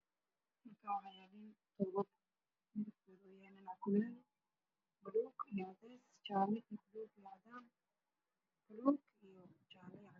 Waa saakoyin sedax ah